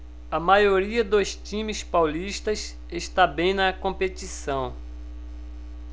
a maioria dos times paulistas está bem na competição